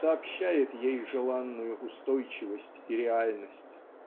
сообщает ей желанную устойчивость и реальность.